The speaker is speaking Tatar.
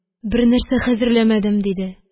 Бернәрсә хәзерләмәдем, – диде